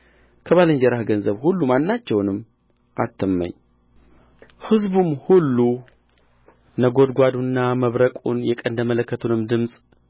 ከባልንጀራህ ገንዘብ ሁሉ ማናቸውንም አትመኝ ሕዝቡም ሁሉ ነጐድጓዱንና መብረቁን የቀንደ መለከቱን ድምፅ